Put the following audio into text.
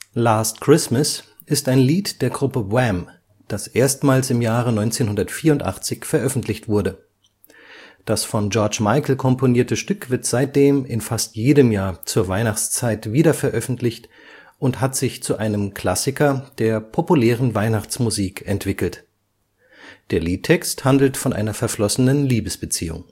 Last Christmas ist ein Lied der Gruppe Wham!, das erstmals im Jahre 1984 veröffentlicht wurde. Das von George Michael komponierte Stück wird seitdem in fast jedem Jahr zur Weihnachtszeit wiederveröffentlicht und hat sich zu einem Klassiker der populären Weihnachtsmusik entwickelt. Der Liedtext handelt von einer verflossenen Liebesbeziehung